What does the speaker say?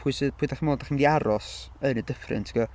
Pwy sydd... pwy dach chi'n meddwl dych chi'n mynd i aros yn y dyffryn? Timod?